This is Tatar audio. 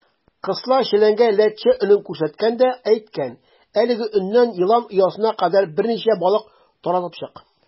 Кысла челәнгә ләтчә өнен күрсәткән дә әйткән: "Әлеге өннән елан оясына кадәр берничә балык таратып чык".